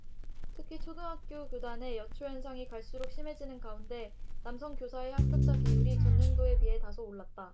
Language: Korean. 특히 초등학교 교단의 여초 현상이 갈수록 심해지는 가운데 남성 교사의 합격자 비율이 전년도에 비해 다소 올랐다